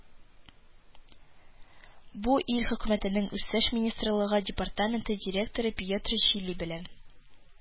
Бу ил хөкүмәтенең үсеш министрлыгы департаменты директоры пьетро чили белән